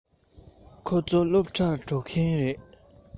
ཁོ ཚོ སློབ གྲྭར འགྲོ མཁན རེད